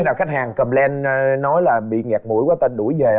nào khách hàng cầm lên nói là bị nghẹt mũi tên đuổi về không